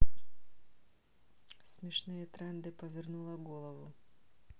смешные тренды повернула голову